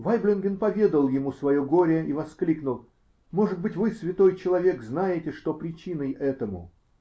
Вайблинген поведал ему свое горе и воскликнул: -- Может быть, вы, святой человек, знаете, что причиной этому?